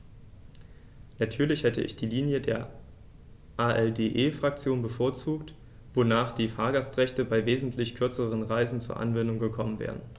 Natürlich hätte ich die Linie der ALDE-Fraktion bevorzugt, wonach die Fahrgastrechte bei wesentlich kürzeren Reisen zur Anwendung gekommen wären.